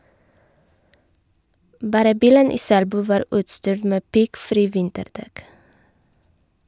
Bare bilen i Selbu var utstyrt med piggfri vinterdekk.